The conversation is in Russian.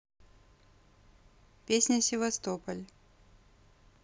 песня севастополь